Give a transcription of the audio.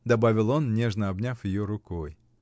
— добавил он, нежно обняв ее рукой.